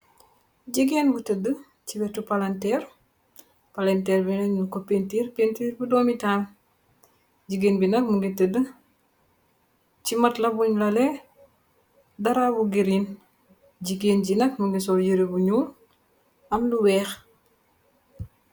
Jigéen bi tëdd chi wètu palanteer, palanteer bi nak nung ko penturr, penturr bu doomital. Jigéen bi nak mungi tëdd chi mat la bun lalè darap bu green. Jigéen bi nak mungi sol yiré bu ñuul, am lu weeh.